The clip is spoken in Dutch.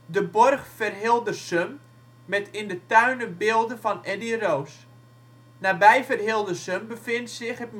De borg Verhildersum met in de tuinen beelden van Eddy Roos. Nabij Verhildersum bevindt zich het